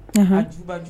Aaha juguba jugu